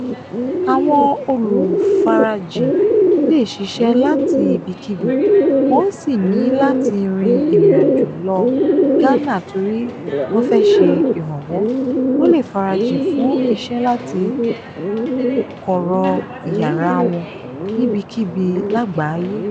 Àwọn Olùfarajìn lè ṣiṣẹ́ láti ibikíbi, wọn ò sì ní látí rin ìrìnàjò lọ Ghana tóri wọ́n fẹ́ ṣe ìrànwọ́; wọ́n lè farajìn fún iṣẹ́ láti kọ̀rọ̀ ìyàrà wọn níbikíbi lágbàáyé.